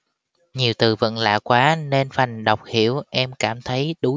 nhiều từ vựng lạ quá nên phần đọc hiểu em cảm thấy đuối